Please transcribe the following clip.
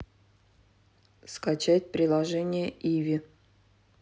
скачать приложение иви